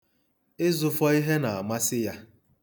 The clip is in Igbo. Ịzụfọ ihe na-amasị ya.